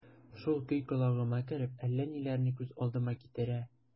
Шул көй колагыма кереп, әллә ниләрне күз алдыма китерә...